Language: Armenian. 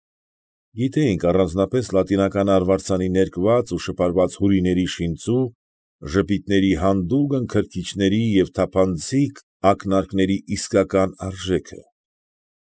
Գիտեինք առանձնապես լատինական արվարձանի ներկված ու շպարված հյուրիների շինծու ժպիտների, հանդուգն քրքիջների և թափանցիկ ակնարկների իսկական արժեքը։